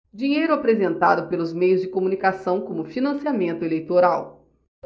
dinheiro apresentado pelos meios de comunicação como financiamento eleitoral